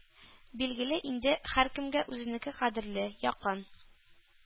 Билгеле инде, һәркемгә үзенеке кадерле, якын.